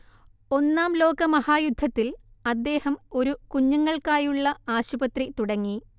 ഒന്നാം ലോകമഹായുദ്ധത്തിൽ അദ്ദേഹം ഒരു കുഞ്ഞുങ്ങൾക്കാായുള്ള ആശുപത്രി തുടങ്ങി